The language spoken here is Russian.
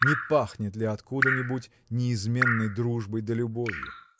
не пахнет ли откуда-нибудь неизменной дружбой да любовью.